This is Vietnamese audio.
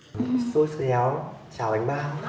xôi xéo chào bánh bao